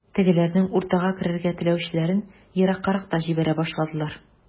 Тегеләрнең уртага керергә теләүчеләрен ераккарак та җибәрә башладылар.